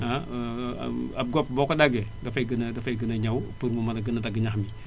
ab gopp boo ko daggee dafay gën a dafay gën a ñaw pour mu dagg ñax mi